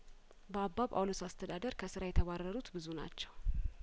በአባ ጳውሎስ አስተዳደር ከስራ የተባረሩት ብዙ ናቸው